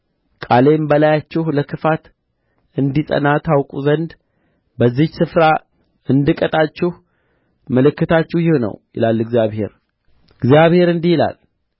ቃሌም በላያችሁ ለክፋት እንዲጸና ታውቁ ዘንድ በዚህች ስፍራ እንድቀጣችሁ ምልክታችሁ ይህ ነው ይላል እግዚአብሔር እግዚአብሔር እንዲህ ይላል